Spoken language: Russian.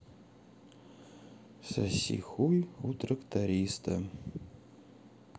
соси хуй у тракториста